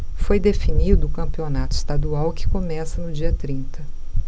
foi definido o campeonato estadual que começa no dia trinta